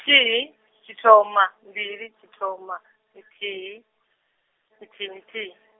thihi, tshithoma, mbili tshithoma, nthihi, nthihi nthihi.